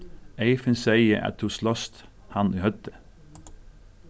eyðfinn segði at tú slóst hann í høvdið